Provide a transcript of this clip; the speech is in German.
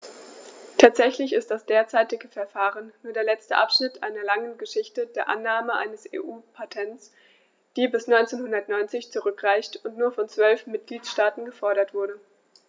Tatsächlich ist das derzeitige Verfahren nur der letzte Abschnitt einer langen Geschichte der Annahme eines EU-Patents, die bis 1990 zurückreicht und nur von zwölf Mitgliedstaaten gefordert wurde.